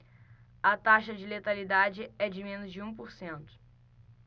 a taxa de letalidade é de menos de um por cento